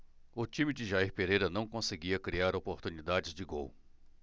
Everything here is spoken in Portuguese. o time de jair pereira não conseguia criar oportunidades de gol